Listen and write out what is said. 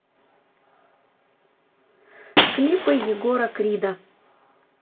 клипы егора крида